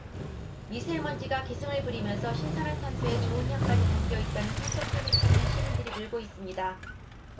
미세먼지가 기승을 부리면서 신선한 산소에 좋은 향까지 담겨 있다는 산소캔을 찾는 시민들이 늘고 있습니다